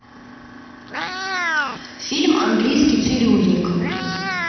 фильм английский цирюльник